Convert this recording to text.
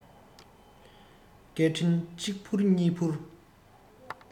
སྐད འཕྲིན གཅིག ཕུར གཉིས ཕུར